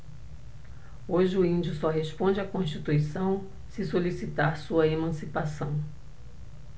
hoje o índio só responde à constituição se solicitar sua emancipação